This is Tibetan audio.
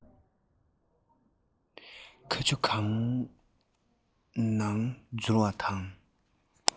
ཁམ ཆུ ཁ ནང འཛུལ བ དང